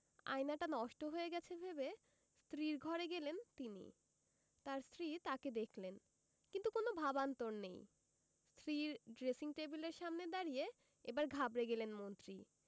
আয়নাটা নষ্ট হয়ে গেছে ভেবে স্ত্রীর ঘরে গেলেন তিনি তাঁর স্ত্রী তাঁকে দেখলেন কিন্তু কোনো ভাবান্তর নেই স্ত্রীর ড্রেসিং টেবিলের সামনে দাঁড়িয়ে এবার ঘাবড়ে গেলেন মন্ত্রী